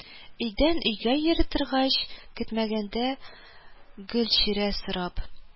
Өйдән өйгә йөри торгач, көтмәгәндә, Гөлчирә сорап